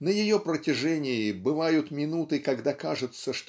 На ее протяжении бывают минуты когда кажется